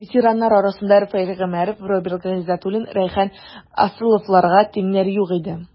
Ветераннар арасында Рафаэль Гомәров, Роберт Гыйздәтуллин, Рәйхан Асыловларга тиңнәр юк иде.